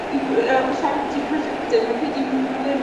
fi'n cw- yy o siarad ambytu prosiecte ma' credu ma' fe'n